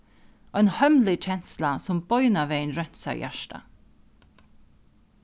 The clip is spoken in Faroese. ein heimlig kensla sum beinanvegin reinsar hjartað